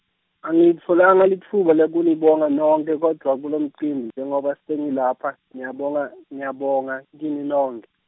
Angilitfolanga litfuba lekunibonga nonkhe, kodwva kulomcimbi njengoba sengilapha, ngiyabonga, ngiyabonga kini nonkhe.